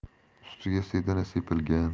ustiga sedana sepilgan